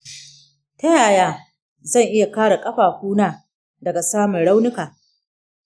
ta yaya zan iya kare ƙafafuna daga samun raunuka?